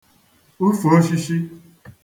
ufhùoshishi